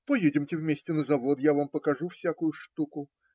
- Поедемте вместе на завод; я вам покажу всякую штуку.